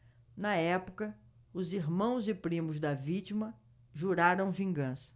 na época os irmãos e primos da vítima juraram vingança